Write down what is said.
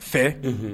Fɛn